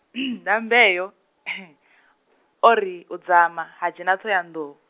dyambeu, o ri u dzama, ha dzhena Ṱhohoyanḓou.